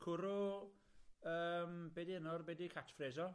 Cwrw yym be' 'di enw'r be' 'di catchphrase o?